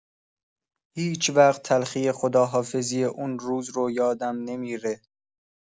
هیچ‌وقت تلخی خداحافظی اون روز رو یادم نمی‌ره.